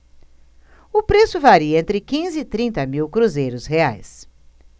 o preço varia entre quinze e trinta mil cruzeiros reais